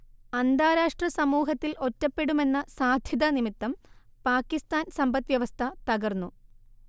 അന്താരാഷ്ട്ര സമൂഹത്തിൽ ഒറ്റപ്പെടുമെന്ന സാധ്യത നിമിത്തം പാകിസ്താൻ സമ്പദ് വ്യവസ്ഥ തകർന്നു